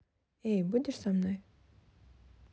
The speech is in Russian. эй будешь со мной